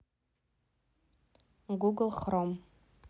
гугл хром